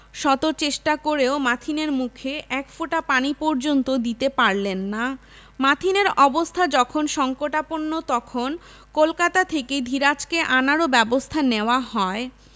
শত চেষ্টা করেও মাথিনের মুখে এক ফোটা পানি পর্যন্ত দিতে পারলেন না মাথিনের অবস্থা যখন সঙ্কটাপন্ন তখন কলকাতা থেকে ধীরাজকে আনারও ব্যবস্থা নেওয়া হয়